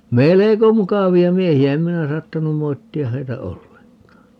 melko mukavia miehiä en minä saattanut moittia heitä ollenkaan